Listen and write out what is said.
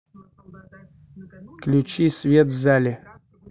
включи свет в зале